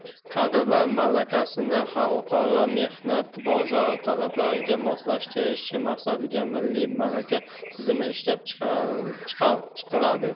kadrlar malakasini xalqaro mehnat bozori talablariga moslashtirish maqsadida milliy malaka tizimi ishlab chiqiladi